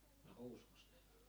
no huusikos ne